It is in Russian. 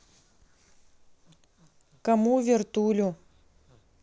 кому вертулю